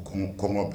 Ko kɔn